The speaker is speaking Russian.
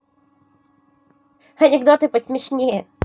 анекдоты посмешнее